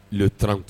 O tanran